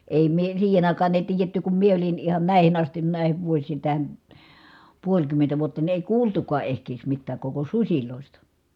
ei minä siihen aikaan ei tiedetty kun minä olin ihan näihin asti näihin vuosiin tähän puolikymmentä vuotta niin ei kuultukaan ehkiedes mitään koko susista